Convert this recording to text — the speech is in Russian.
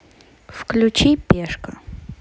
включи пешка